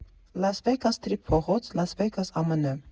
Լաս Վեգաս Սթրիփ փողոց, Լաս Վեգաս, ԱՄՆ։